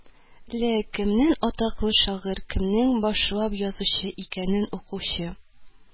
Ле, кемнең атаклы шагыйрь, кемнең башлап язучы икәнен укучы